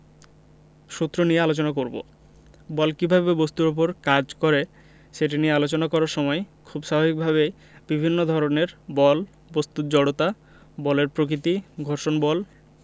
সূত্র নিয়ে আলোচনা করব বল কীভাবে বস্তুর উপর কাজ করে সেটি নিয়ে আলোচনা করার সময় খুব স্বাভাবিকভাবেই বিভিন্ন ধরনের বল বস্তুর জড়তা বলের প্রকৃতি ঘর্ষণ বল